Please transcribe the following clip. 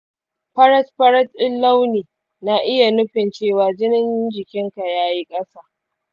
farat-farat ɗin launi na iya nufin cewa jinin jikinka ya yi ƙasa.